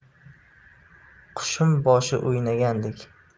qushim boshi o'ynadik